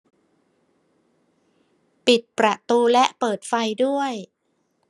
ปิดประตูและเปิดไฟด้วย